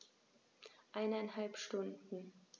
Eineinhalb Stunden